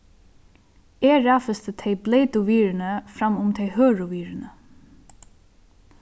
eg raðfesti tey bleytu virðini fram um tey hørðu virðini